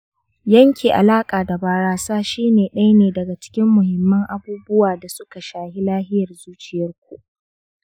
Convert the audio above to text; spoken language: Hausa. yanke alaƙa da barasa shine & ɗaya ne daga cikin muhimman abubuwa da su ka shafin lafiyar zuciyarku